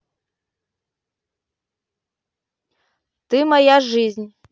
ты моя жизнь